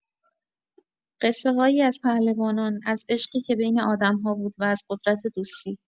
قصه‌هایی از پهلوانان، از عشقی که بین آدم‌ها بود، و از قدرت دوستی.